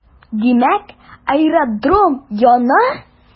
Димәк, аэродром яна.